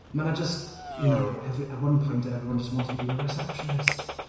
Mae 'na jyst you know? Every- at one point everyone just wanted to be in a receptionist.